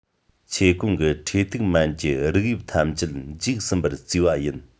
ཆེས གོང གི འཕྲེད ཐིག མན གྱི རིགས དབྱིབས ཐམས ཅད འཇིག ཟིན པར བརྩིས པ ཡིན